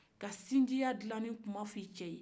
ka sinjiya dilanni kuma fɔ e cɛ ye